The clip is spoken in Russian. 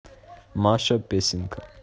маша песенка